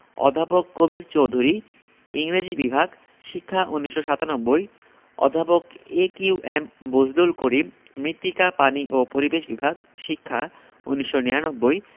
অধ্যাপক কবীর চৌধুরী ইংরেজি বিভাগ শিক্ষা ১৯৯৭ অধ্যাপক A Q M Bazlul Karim মৃত্তিকা পানি ও পরিবেশ বিভাগ শিক্ষা ১৯৯৯